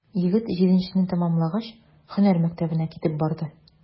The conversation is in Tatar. Егет, җиденчене тәмамлагач, һөнәр мәктәбенә китеп барды.